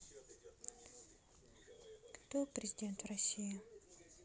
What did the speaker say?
кто президент в россии